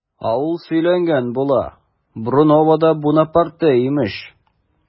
Ә ул сөйләнгән була, Бруновода Бунапарте имеш!